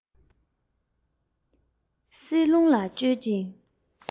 བསིལ རླུང ལ བཅོལ ཅིང